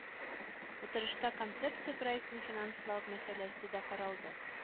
Утырышта Концепция проектын финанслау мәсьәләсе дә каралды